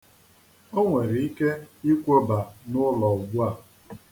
O nwere ike ikwoba n'ụlọ ugbua.